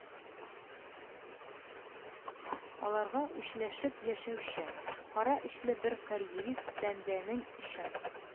Аларга үчләшеп яшәүче, кара эчле бер карьерист бәндәнең чын